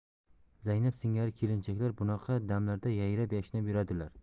zaynab singari kelinchaklar bunaqa damlarda yayrab yashnab yuradilar